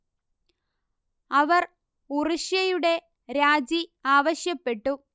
അവർ ഉറുഷ്യയുടെ രാജി ആവശ്യപ്പെട്ടു